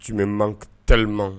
Tun bɛ man teman